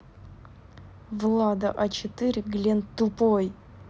влада а четыре глент тупой